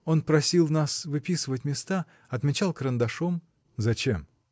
Он просил нас выписывать места, отмечал карандашом. — Зачем?